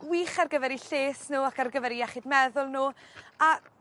gwych ar gyfer 'u lles n'w ac ar gyfer 'u iechyd meddwl n'w a